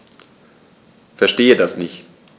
Verstehe das nicht.